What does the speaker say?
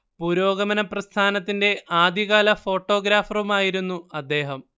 പുരോഗമന പ്രസ്ഥാനത്തിന്റെ ആദ്യകാല ഫോട്ടോഗ്രാഫറുമായിരുന്നു അദ്ദേഹം